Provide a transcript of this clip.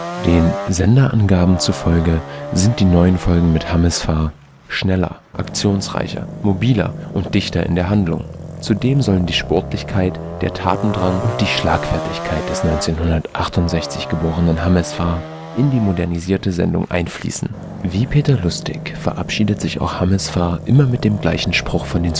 Den Sender-Angaben zufolge sind die neuen Folgen mit Hammesfahr „ schneller, aktionsreicher, mobiler und dichter in der Handlung “. Zudem sollen die Sportlichkeit, der Tatendrang und die Schlagfertigkeit des 1968 geborenen Hammesfahr in die modernisierte Sendung einfließen. Wie Peter Lustig verabschiedet sich auch Hammesfahr immer mit dem gleichen Spruch von